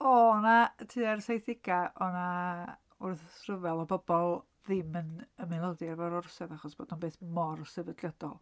O o' 'na, tua'r saithdegau, o' 'na wrthryfel o bobl ddim yn ymaelodi efo'r orsedd achos bod o'n beth mor sefydliadol.